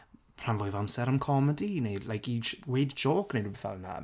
Rhan fywaf o amser am comedi neu like i j- weud jôc neu rhywbeth fel hynna.